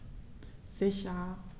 Sicher.